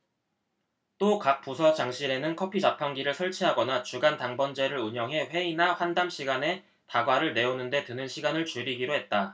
또 각 부서장실에는 커피자판기를 설치하거나 주간 당번제를 운영해 회의나 환담 시간에 다과를 내오는 데 드는 시간을 줄이기로 했다